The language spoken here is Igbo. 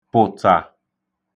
pụ̀tà